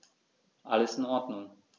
Alles in Ordnung.